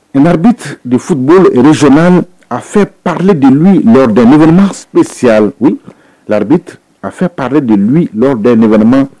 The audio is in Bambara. Biti de fu rezson a fɛ parre de ladma si laribi a fɛ pale de lad ni2ma